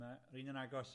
Na yr un yn agos.